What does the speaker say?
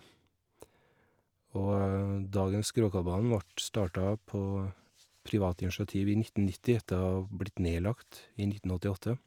Og dagens Gråkallbanen vart starta på privat initiativ i nitten nitti etter å ha blitt nedlagt i nitten åttiåtte.